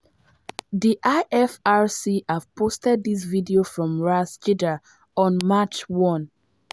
The IFRC have posted this video from Ras Jdir on March 1.